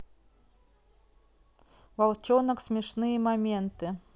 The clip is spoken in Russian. волчонок смешные моменты